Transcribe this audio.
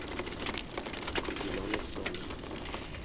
зеленый соник